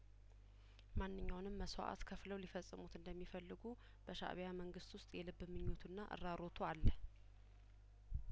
ማንኛውንም መስዋእት ከፍለው ሊፈጽሙት እንደሚፈልጉ በሻእቢያ መንግስት ውስጥ የልብ ምኞቱና እራሮቱ አለ